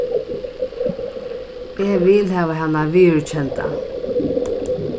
eg vil hava hana viðurkenda